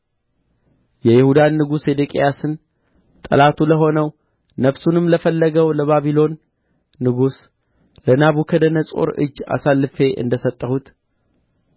የይሁዳን ንጉሥ ሴዴቅያስን ጠላቱ ለሆነው ነፍሱንም ለፈለገው ለባቢሎን ንጉሥ ለናቡከደነፆር እጅ አሳልፌ እንደ ሰጠሁት